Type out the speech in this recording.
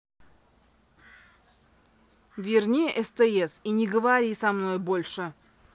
верни стс и не говори со мной больше